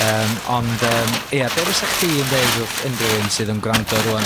yym, ond yym, ie be' fysach chdi yn ddeud wrth unryw un sydd yn gwrando rŵan?